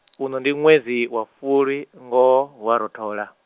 uno ndi ṅwedzi wa fulwi ngoho hu a rothola.